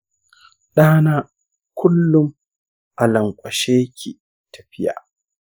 ɗana kullum a lankwashe ya ke tafiya.